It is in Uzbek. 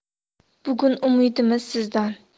bugun umidimiz sizdan